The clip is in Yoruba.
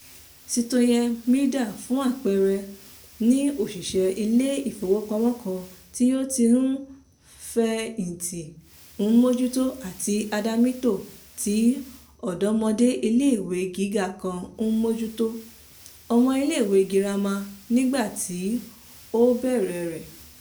Citoyen Hmida, fún àpẹẹrẹ, ní òṣìṣẹ́ ilé ìfowópamọ́ kan tí ó ti fẹ̀yìntì ń mójútó; àti Adamito tí ọ̀dọ́mọdẹ́ ilé ìwé gíga kan ń mójútó (ọmọ ilé ìwé gírámà nígbà tí ó bẹ̀rẹ̀ rẹ̀).